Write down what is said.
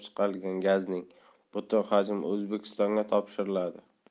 chiqarilgan gazning butun hajmi o'zbekistonga topshiriladi